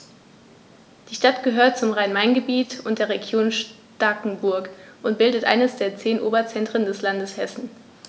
Die Stadt gehört zum Rhein-Main-Gebiet und der Region Starkenburg und bildet eines der zehn Oberzentren des Landes Hessen.